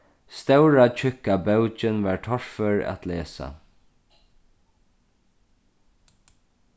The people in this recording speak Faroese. stóra tjúkka bókin var torfør at lesa